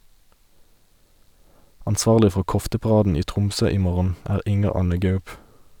Ansvarlig for kofteparaden i Tromsø i morgen er Inger Anne Gaup.